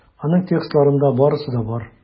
Аның текстларында барысы да бар.